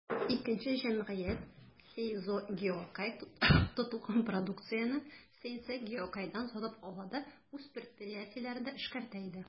Икенче җәмгыять, «Сейзо Гиокай», тотылган продукцияне «Сейсан Гиокайдан» сатып ала да үз предприятиеләрендә эшкәртә иде.